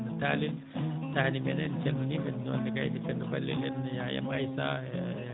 Talel taani meeɗen en calminii ɓe noon ne kayne Ceddo Balel en yaye Maysa e